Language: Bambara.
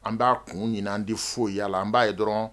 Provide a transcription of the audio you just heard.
An ba kun ɲini an ti foyi yala . An ba ye dɔrɔn